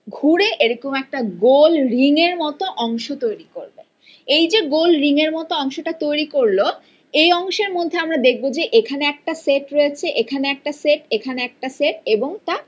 ঘুরে এরকম একটা গোল রিং এর মত অংশ তৈরি করে এই যে গোল রিঙের মত অংশ টা তৈরি করল এই অংশের মধ্যে আমরা দেখব যে এখানে একটা সেট রয়েছে এখানে একটা সেট এখানে একটা সেট এবং এটা